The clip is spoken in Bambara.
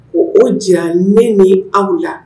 Ko o janya ne ni aw la